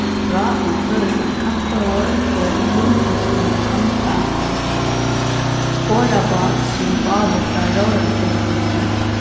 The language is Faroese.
greitt frá um føroyskan kappróður og krúnprinsinum varð handað borðabát sum gávu frá róðrarfelagnum knørri